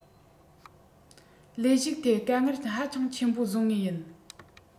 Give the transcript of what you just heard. ལས ཞུགས ཐད དཀའ ངལ ཧ ཅང ཆེན པོ བཟོ ངེས ཡིན